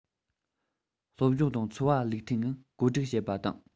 སློབ སྦྱོང དང འཚོ བ ལུགས མཐུན ངང བཀོད སྒྲིག བྱེད པ དང